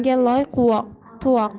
qozonga loy tuvoq